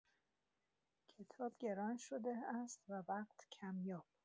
کتاب گران شده است و وقت کمیاب.